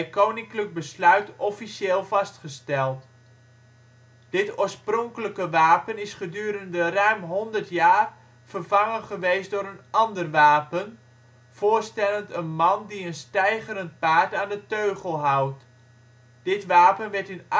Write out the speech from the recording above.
Koninklijk Besluit officieel vastgesteld. Dit oorspronkelijke wapen is gedurende ruim honderd jaar vervangen geweest door een ander wapen, voorstellend een man die een steigerend paard aan de teugel houdt. Dit wapen werd in